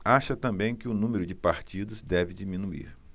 acha também que o número de partidos deve diminuir